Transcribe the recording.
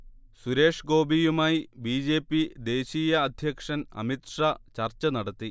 സുരേഷ് ഗോപിയുമായി B. J. P ദേശീയഅധ്യക്ഷൻ അമിത്ഷാ ചർച്ച നടത്തി